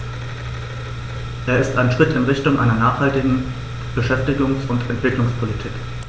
Er ist ein Schritt in Richtung einer nachhaltigen Beschäftigungs- und Entwicklungspolitik.